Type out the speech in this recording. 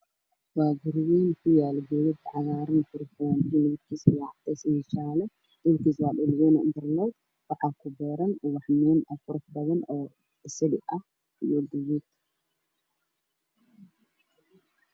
Waxaa ii muuqda guri dabaq ah midabkiisu waa jaalle iyo caddaan waxaana ku wareegsan darbi waxaana ka baxaya ubax